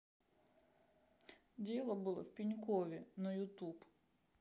дело было в пенькове на ютуб